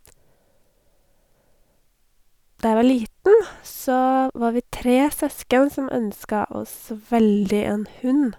Da jeg var liten så var vi tre søsken som ønsket oss veldig en hund.